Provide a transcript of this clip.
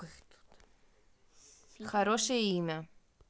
хорошое имя